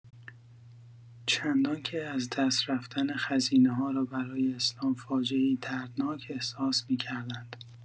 چندان که ازدست رفتن خزینه‌ها را برای اسلام فاجعه‌ای دردناک احساس می‌کردند.